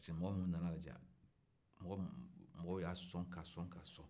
parce que mɔgɔ minnu nan'a ladiya mɔgɔw y'a son ka son